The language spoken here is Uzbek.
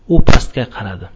u pastga qaradi